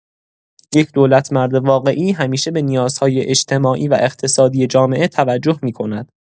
یک دولتمرد واقعی همیشه به نیازهای اجتماعی و اقتصادی جامعه توجه می‌کند.